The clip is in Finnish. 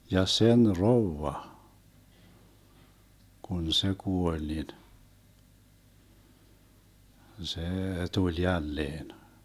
ja sen rouva kun se kuoli niin se tuli jälleen